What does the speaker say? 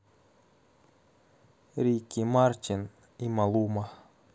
рики мартин и малума